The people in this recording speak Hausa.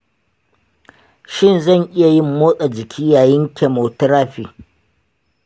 shin zan iya yin motsa jiki yayin chemotherapy?